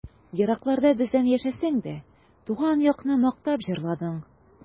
Еракларда бездән яшәсәң дә, Туган якны мактап җырладың.